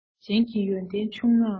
གཞན གྱི ཡོན ཏན ཆུང ངུའང ལེན